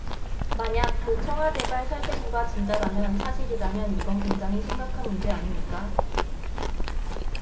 만약 그 청와대발 살생부가 진짜라면 사실이라면 이건 굉장히 심각한 문제 아닙니까